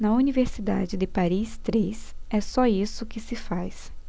na universidade de paris três é só isso que se faz